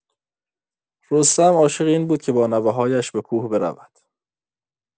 رستم عاشق این بود که با نوه‌هایش به کوه برود.